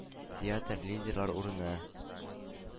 Театр – лидерлар урыны.